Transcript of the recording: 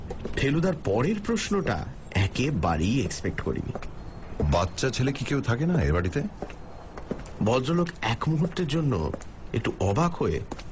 ফেলুদার পরের প্রশ্নটা একেবারেই এক্সপেক্ট করিনি বাচ্চা ছেলে কি কেউ থাকে না এ বাড়িতে ভদ্রলোক একমুহূর্তের জন্য একটু অবাক হয়ে